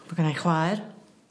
Ma' gennai chwaer.